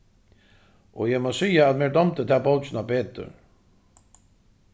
og eg má siga at mær dámdi ta bókina betur